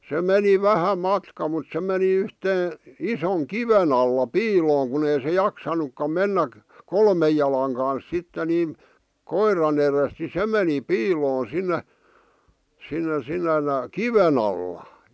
se meni vähän matkaa mutta se meni yhteen ison kiven alla piiloon kun ei se jaksanutkaan mennä kolmen jalan kanssa sitten niin koiran edestä niin se meni piiloon sinne sinne sinne kiven alla